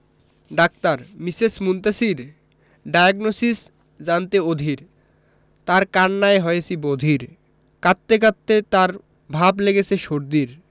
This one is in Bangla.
ডাক্তার মিসেস মুনতাসীর ডায়োগনসিস জানতে অধীর তার কান্নায় হয়েছি বধির কাঁদতে কাঁদতে তার ভাব লেগেছে সর্দির